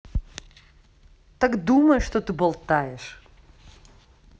так думай что ты болтаешь